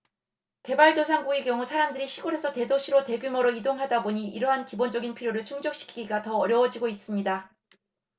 개발도상국의 경우 사람들이 시골에서 대도시로 대규모로 이동하다 보니 이러한 기본적인 필요를 충족시키기가 더 어려워지고 있습니다